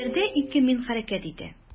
Әсәрдә ике «мин» хәрәкәт итә.